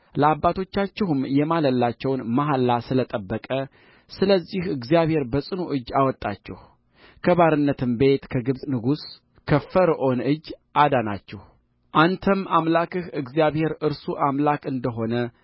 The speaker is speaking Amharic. ለአባቶቻችሁም የማለላቸውን መሐላ ስለ ጠበቀ ስለዚህ እግዚአብሔር በጽኑ እጅ አወጣችሁ ከባርነትም ቤት ከግብፅ ንጉሥ ከፈርዖን እጅ አዳናችሁአንተም አምላክህ እግዚአብሔር እርሱ አምላክ እንደ ሆነ